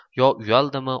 yo uyaldimi